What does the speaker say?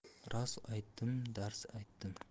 rost aytdim dars aytdim